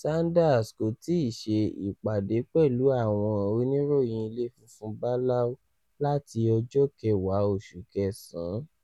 Sanders kò tíì ṣe ìpàdé pẹ̀lú àwọn oníròyìn Ilé Funfun Báláú láti ọjọ 10 oṣù kẹsàn án.